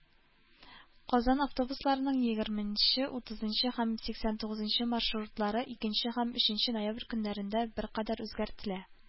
Казан автобусларының егерменче, утызынчы һәм сиксән тугызынчы маршрутлары икенче һәм өченче ноябрь көннәрендә беркадәр үзгәртелә.